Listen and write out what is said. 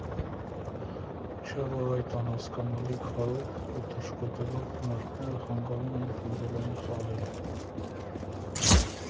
Չէ՞ որ այդ անհասկանալի քարով ու թռչկոտելով հնարքները խանգարում էին ֆուտբոլային խաղերին։